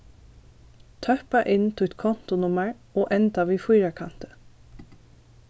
tøppa inn títt kontunummar og enda við fýrakanti